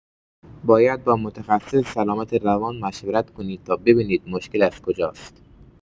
باید با متخصص سلامت روان مشورت کنید تا ببینید مشکل از کجاست.